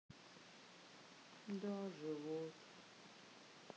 да живот